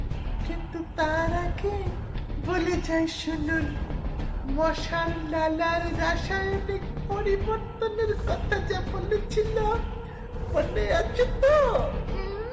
কিন্তু তার আগে বলে যায় শুনুন মশার লালার রাসায়নিক পরিবর্তনের কথা যা বলেছিলাম মনে আছে তো